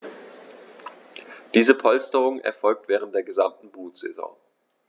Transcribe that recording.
Diese Polsterung erfolgt während der gesamten Brutsaison.